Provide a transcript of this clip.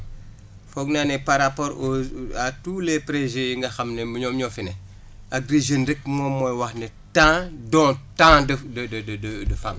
foog naa ne par rapport au à tous les projets yi nga xam ne ñoom ñoo fi ne agri Jeunes rek moom mooy wax ne tant dont tant de de de de femmes